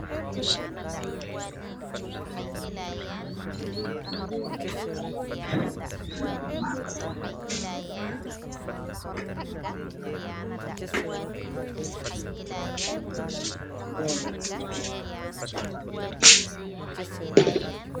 Waa laba wiil oo caafimaad darnayaan midna uu tashan caddaan midna uu yahay macalinka gudaha ka dambeeyay